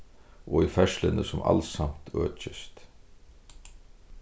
og í ferðsluni sum alsamt økist